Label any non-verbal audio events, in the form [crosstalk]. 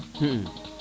[hesitation] [hesitation]